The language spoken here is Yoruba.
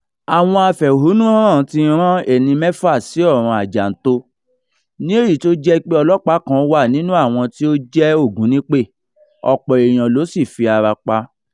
Àwọn afẹ̀hónúhàn ti rán ẹni mẹ́fà sí ọ̀run àjànto, ní èyí tí ó jẹ́ pé ọlọ́pàá kan wà nínúu àwọn tí ó jẹ́ Ògún nípè, ọ̀pọ̀ èèyàn ló sì fi ara pa.